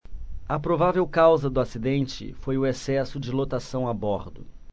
a provável causa do acidente foi excesso de lotação a bordo